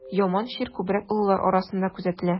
Яман чир күбрәк олылар арасында күзәтелә.